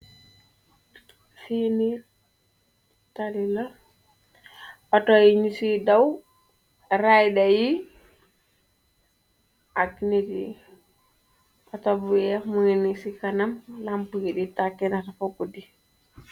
Fiini talila autoyi ñu ciy daw raydé yi ak nit yi autobu weex mungi ni ci kanam lampa yi di takki naka fokkawa god di.